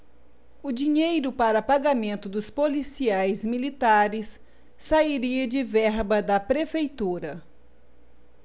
o dinheiro para pagamento dos policiais militares sairia de verba da prefeitura